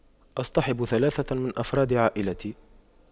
أصطحب ثلاثة من أفراد عائلتي